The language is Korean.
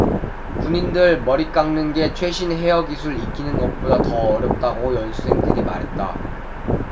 군인들 머리 깎는 게 최신 헤어 기술 익히는 것보다 더 어렵다고 연수생들이 말했다